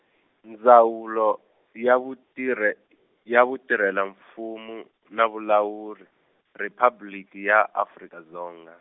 Ndzawulo ya vutirhe-, ya Vutirhela-Mfumo na Vulawuri Riphabliki ya Afrika Dzonga.